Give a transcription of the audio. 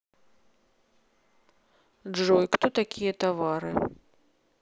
джой кто такие товары